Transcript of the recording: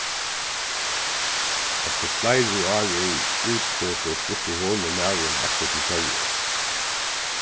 eftir fleiri ár í útisetu fluttu hon og maðurin aftur til føroyar